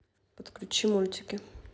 подключи мультики